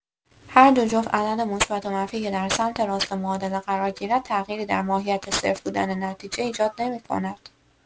هر دو جفت عدد مثبت و منفی که در سمت راست معادله قرار گیرد تغییری در ماهیت صفر بودن نتیجه ایجاد نمی‌کند.